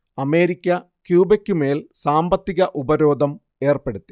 America ക്യൂബക്കുമേൽ സാമ്പത്തിക ഉപരോധം ഏർപ്പെടുത്തി